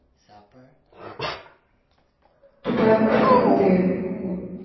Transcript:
тупая курица ты